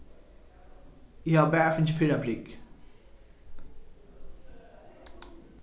eg havi bara fingið fyrra prik